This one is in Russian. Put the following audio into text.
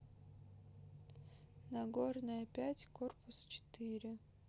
нагорная пять корпус четыре